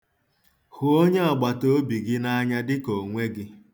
Hụ onyeagbataobi gị n'anya dịka onwe gị.